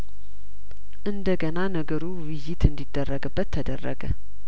እንደ ገና ነገሩ ውይይት እንዲደረግበት ተደረገ